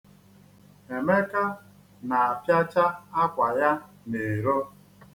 Emeka na-apịacha akwa ya n'iro.